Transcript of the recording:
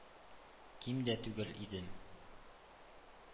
Ким дә түгел идем.